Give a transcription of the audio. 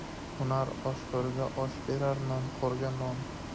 hunar oshxo'rga osh berar nonxo'rga non